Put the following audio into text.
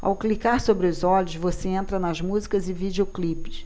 ao clicar sobre os olhos você entra nas músicas e videoclipes